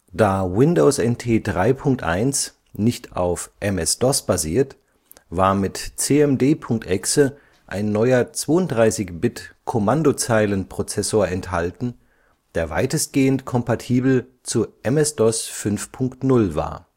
Da Windows NT 3.1 nicht auf MS-DOS basiert, war mit cmd.exe ein neuer 32-Bit-Kommandozeilenprozessor enthalten, der weitestgehend kompatibel zu MS-DOS 5.0 war